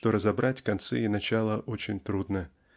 что разобрать концы и начала очень трудно